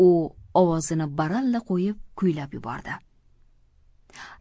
u ovozini baralla qo'yib kuylab yubordi